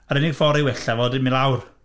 Yr unig ffordd i wella fo, 'di mynd lawr.